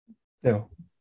No.